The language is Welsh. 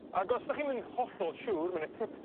ag os 'dach chi'm yn hollol siŵr ma' 'ne tip